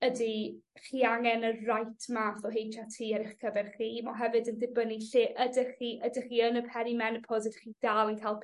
Ydi chi angen y reit math o Heitch Are Tee ar eich cyfer chi ma' o hefyd yn ddibynnu lle ydych chi ydych chi yn y peri-menopos ydych chi dal yn ca'l